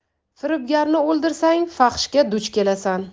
firibgarni o'ldirsang fahshga duch kelasan